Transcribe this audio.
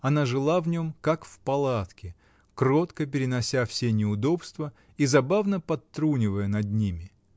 она жила в нем, как в палатке, кротко перенося все неудобства и забавно подтрунивая над ними.